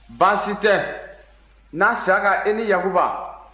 baasi tɛ na syaka e ni yakuba